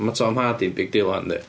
Ma' Tom Hardy yn big deal 'wan yndi?